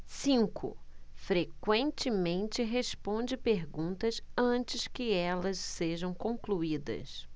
cinco frequentemente responde perguntas antes que elas sejam concluídas